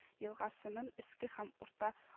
Елгасының өске һәм урта а